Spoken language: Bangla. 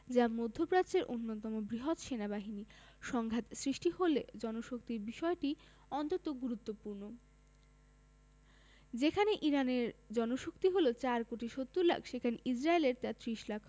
যা মধ্যপ্রাচ্যের অন্যতম বৃহৎ সেনাবাহিনী সংঘাত সৃষ্টি হলে জনশক্তির বিষয়টি অন্তত গুরুত্বপূর্ণ যেখানে ইরানের জনশক্তি হলো ৪ কোটি ৭০ লাখ সেখানে ইসরায়েলের তা ৩০ লাখ